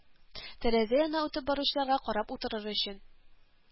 Тәрәзә янына үтеп баручыларга карап утырыр өчен